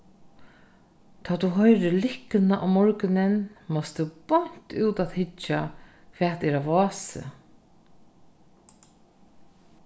tá tú hoyrir likkuna um morgunin mást tú beint út at hyggja hvat er á vási